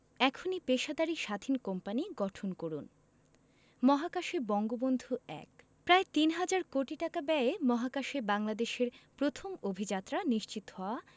এখনই পেশাদারি স্বাধীন কোম্পানি গঠন করুন মহাকাশে বঙ্গবন্ধু ১ প্রায় তিন হাজার কোটি টাকা ব্যয়ে মহাকাশে বাংলাদেশের প্রথম অভিযাত্রা নিশ্চিত হওয়া